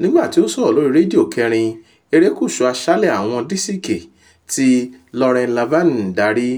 Nígbàtí ó ń sọ̀rọ̀ lórí Rédíò 4 Èrékùsù Àṣálẹ̀ Àwọn Dísìkì tí Lauren Laverne ń darí,